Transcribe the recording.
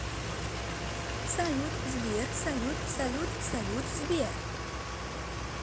салют сбер салют салют салют сбер